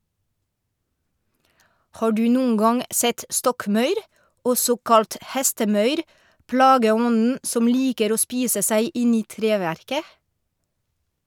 Har du noen gang sett stokkmaur, også kalt hestemaur, plageånden som liker å spise seg inn i treverket?